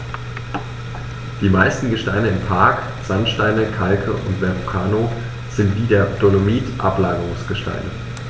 Die meisten Gesteine im Park – Sandsteine, Kalke und Verrucano – sind wie der Dolomit Ablagerungsgesteine.